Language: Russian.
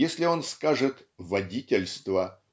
если он скажет "водительство"